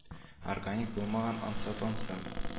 Органик булмаган ансат ансат